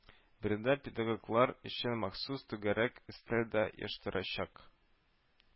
Биредә педагоглар өчен махсус түгәрәк өстәл дә оештырачак